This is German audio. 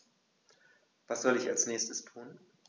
Was soll ich als Nächstes tun?